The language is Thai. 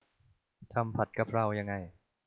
ทำผัดกะเพรายังไง